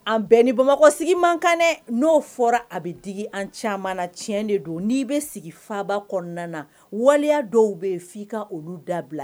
An bɛɛ ni bamakɔ sigi man kan dɛ n'o fɔra a bɛ digi an caman na tiɲɛ de do n'i bɛ sigi faaba kɔnɔna na waliya dɔw bɛ yen f'i ka olu dabila.